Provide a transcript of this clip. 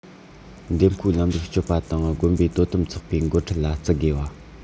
འདེམས བསྐོའི ལམ ལུགས སྤྱོད པ དང དགོན པའི དོ དམ ཚོགས པའི འགོ ཁྲིད ལ བརྩི དགོས པ